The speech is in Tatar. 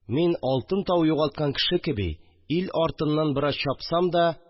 Мин, алтын тау югалткан кеше кеби, ил артыннан бераз чапсам да